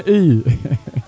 i